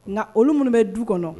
Nka olu minnu bɛ du kɔnɔ